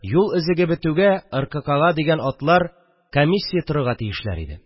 Юл өзеге бетүгә РККАга дигән атлар комиссия торырга тиешләр иде